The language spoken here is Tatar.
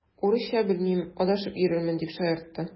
Урысча белмим, адашып йөрермен, дип шаяртты.